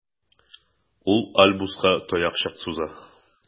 Ул Альбуска таякчык суза.